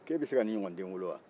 ko e bɛ se ka nin ɲɔgɔn denw wolo wa